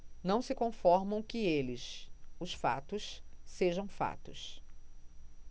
não se conformam que eles os fatos sejam fatos